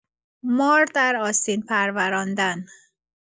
مار در آستین پروراندن